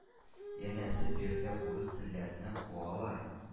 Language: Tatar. Янәсе, биредә «урыс теллеләрне» куалар,